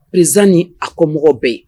Pzsan ni a komɔgɔw bɛ yen